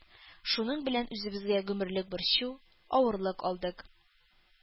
Шуның белән үзебезгә гомерлек борчу, авырлык алдык.